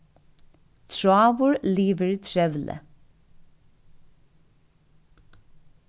tráður lívir trevli